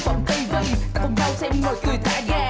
xem ngồi cười thả ga